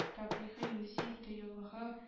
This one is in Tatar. Табигый музей-тыюлыгы